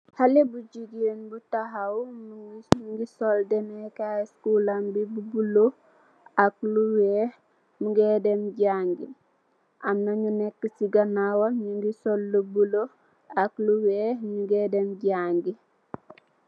Halleh bu jigain bu tahaw, mungi sol demee kaay school lam bi, bu buleuh ak lu weeh, mungee dem jangih, amna nyu nek si ganaawam, nyungi sol lu buleuh ak lu weeh, nyungee dem jangih.